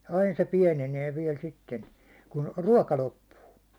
aina se pienenee vielä sitten kun ruoka loppuu